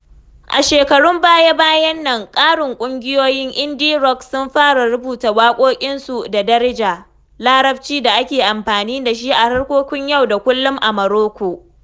A shekarun baya-bayan nan, ƙarin ƙungiyoyin indie rock sun fara rubuta waƙoƙinsu da Darija, larabcin da ake amfani da shi a harkokin yau da kullum a Morocco.